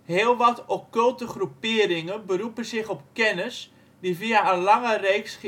Heel wat occulte groeperingen beroepen zich op kennis die via een lange reeks